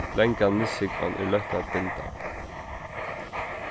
langa nissuhúgvan er løtt at binda